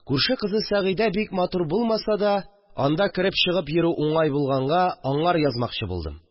Күрше кызы Сәгыйдә бик матур булмаса да, анда кереп-чыгып йөрү уңай булганга, аңар язмакчы булдым